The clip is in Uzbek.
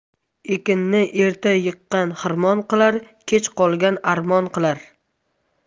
ekinni erta yiqqan xirmon qilar kech qolgan armon qilar